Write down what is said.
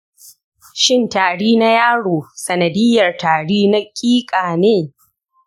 shin tari na yarona sanadiyyar tari na ƙiƙa ne?